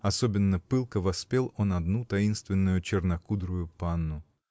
особенно пылко воспел он одну таинственную чернокудрую "панну".